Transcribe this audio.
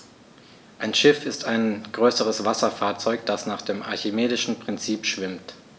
Ein Schiff ist ein größeres Wasserfahrzeug, das nach dem archimedischen Prinzip schwimmt.